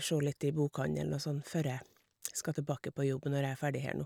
Sjå litt i bokhandelen og sånn, før jeg skal tilbake på jobb når jeg er ferdig her nå.